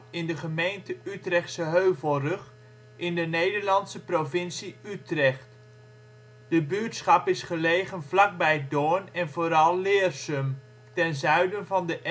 in de gemeente Utrechtse Heuvelrug, in de Nederlandse provincie Utrecht. De buurtschap is gelegen vlakbij Doorn en vooral Leersum, ten zuiden van de